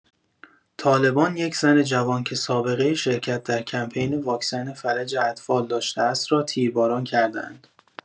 طالبان یک زن جوان که سابقه شرکت در کمپین واکسن فلج اطفال داشته است را تیرباران کرده‌اند.